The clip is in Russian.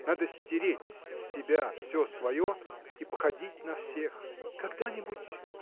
Надо стереть с себя всё свое и походить на всех! — Когда-нибудь.